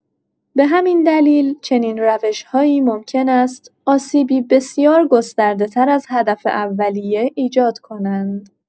به همین دلیل، چنین روش‌هایی ممکن است آسیبی بسیار گسترده‌‌تر از هدف اولیه ایجاد کنند.